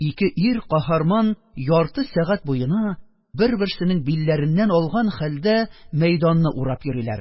Ике ир каһарман ярты сәгать буена бер-берсенең билләреннән алган хәлдә мәйданны урап йөриләр.